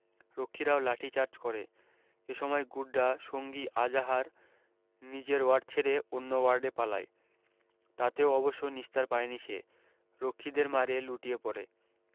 রক্ষীরাও লাঠিচার্জ করে এসময় গুড্ডা সঙ্গী আজাহার নিজের ওয়ার্ড ছেড়ে অন্য ওয়ার্ডে পালায় তাতেও অবশ্য নিস্তার পায়নি সে রক্ষীদের মারে লুটিয়ে পড়ে